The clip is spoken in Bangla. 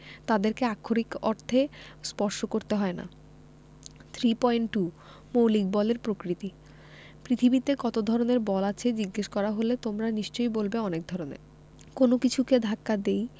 তাদেরকে আক্ষরিক অর্থে স্পর্শ করতে হয় না 3.2 মৌলিক বলের প্রকৃতিঃ পৃথিবীতে কত ধরনের বল আছে জিজ্ঞেস করা হলে তোমরা নিশ্চয়ই বলবে অনেক ধরনের কোনো কিছুকে যদি ধাক্কা দিই